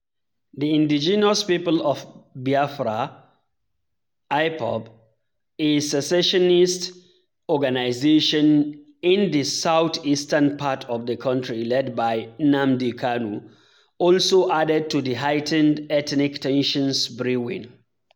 The Indigenous People of Biafra (IPOB), a secessionist organization in the southeastern part of the country led by Nnamdi Kanu, also added to the heightened ethnic tensions brewing.